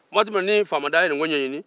wagati min na faama daa ye nin ko ɲɛɲini